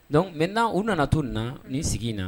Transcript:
Donc maintenant u nana to nin na ni sigi in na